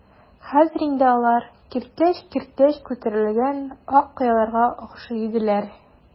Хәзер инде алар киртләч-киртләч күтәрелгән ак кыяларга охшый иделәр.